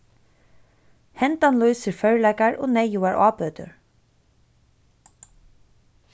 hendan lýsir førleikar og neyðugar ábøtur